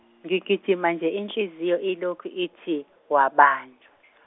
ngigijima nje inhliziyo ilokhu ithi wabanjwa .